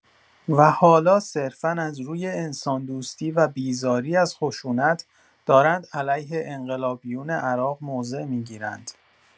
و حالا صرفا از روی «انسان‌دوستی» و «بیزاری از خشونت» دارند علیه انقلابیون عراق موضع می‌گیرند.